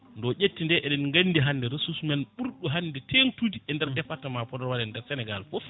ndo ƴetti nde eɗen gandi hande ressource men ɓuurɗo hande tengtude e nder département Podor walla e nder Sénégal foof